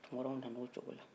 tunkaraw nana o cogo la